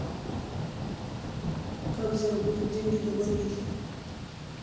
как работать деньги на барвихе